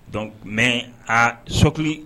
Donc mais a choque li